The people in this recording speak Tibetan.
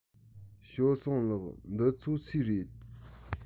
ཞའོ སུང ལགས འདི ཚོ སུའི རེད